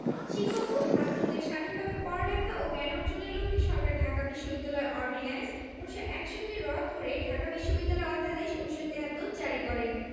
শিক্ষক ও ছাত্রদের স্বাধীনভাবে পড়ালেখা ও জ্ঞান অর্জনের লক্ষ্যে সরকার ঢাকা বিশ্ববিদ্যালয় অর্ডিন্যান্স ১৯৬১ রদ করে ঢাকা বিশ্ববিদ্যালয় অধ্যাদেশ ১৯৭৩ জারি করে